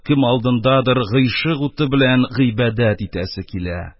Кем алдындадыр гыйшык уты белән гыйбадәт итәсе килә.